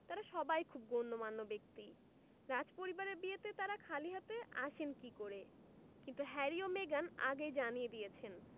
তাঁরা সবাই খুব গণ্যমান্য ব্যক্তি রাজপরিবারের বিয়েতে তাঁরা খালি হাতে আসেন কী করে কিন্তু হ্যারি ও মেগান আগেই জানিয়ে দিয়েছেন